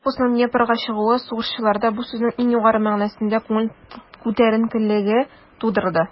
Корпусның Днепрга чыгуы сугышчыларда бу сүзнең иң югары мәгънәсендә күңел күтәренкелеге тудырды.